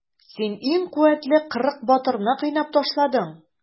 Син иң куәтле кырык батырны кыйнап ташладың.